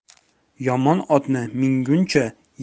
yomon otni minguncha